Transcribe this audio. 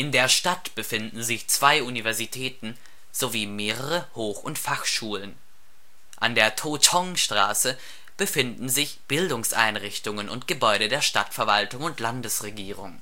der Stadt befinden sich zwei Universitäten sowie mehrere Hoch - und Fachschulen. An der Toch'ŏng Straße befinden sich Bildungseinrichtungen und Gebäude der Stadtverwaltung und Landesregierung